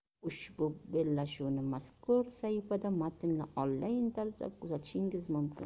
ushbu bellashuvni mazkur sahifada matnli onlayn tarzida kuzatishingiz mumkin